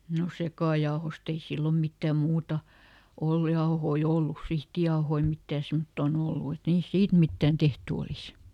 no sekajauhoista ei silloin mitään muuta ollut jauhoja ollut sihtijauhoja mitään semmottoon ollut että niistä siitä mitään tehty olisi